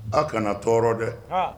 A' kana tɔɔrɔ dɛ aa